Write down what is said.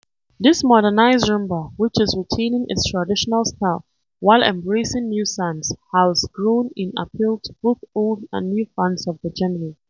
This modernised Rhumba which is retaining its traditional style while embracing new sounds has grown in appeal to both old and new fans of the genre.